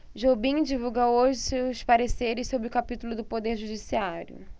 jobim divulga hoje seus pareceres sobre o capítulo do poder judiciário